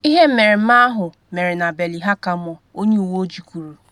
Ihe mmereme ahụ mere na Ballyhackamore, onye uwe ojii kwuru.